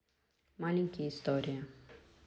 маленькие истории